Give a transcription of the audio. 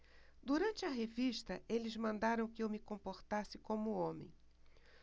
durante a revista eles mandaram que eu me comportasse como homem